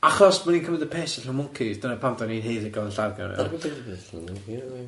Achos bod ni'n cymryd y piss allan o mwncis dyna pam dan ni'n haeddu gal 'n lladd gen nhw iawn.